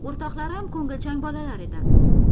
o'rtoqlarim ko'ngilchan bolalar edi